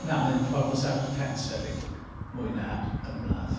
Na, mae'n ffordd o self-defence hefyd, mwy na ymladd.